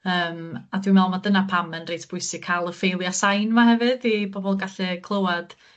Yym a dwi'n me'wl ma' dyna pam ma'n reit bwysig ca'l y ffeilia' sain 'ma hefyd i pobol gallu clywed